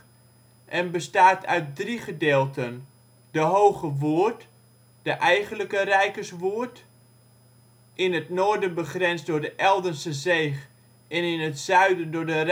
en bestaat uit drie gedeelten: de ' Hoge Woerd ' (de eigenlijke ' Rijkerswoerd '), in het noorden begrensd door de Eldense Zeeg en in het zuiden door de